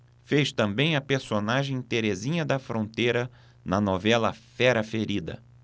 fez também a personagem terezinha da fronteira na novela fera ferida